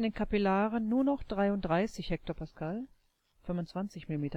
Kapillaren nur noch 33 hPa (25 mmHg